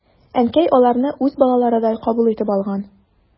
Әнкәй аларны үз балаларыдай кабул итеп алган.